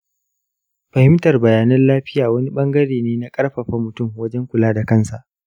fahimtar bayanan lafiya wani ɓangare ne na ƙarfafa mutum wajen kula da kansa.